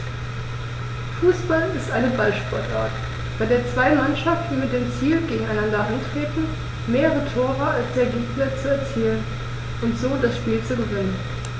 Fußball ist eine Ballsportart, bei der zwei Mannschaften mit dem Ziel gegeneinander antreten, mehr Tore als der Gegner zu erzielen und so das Spiel zu gewinnen.